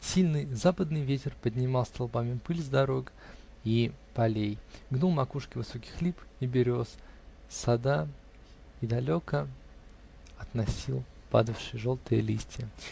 Сильный западный ветер поднимал столбами пыль с дорог и полей, гнул макушки высоких лип и берез сада и далеко относил падавшие желтые листья.